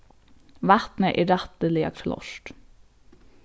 vatnið er rættiliga klárt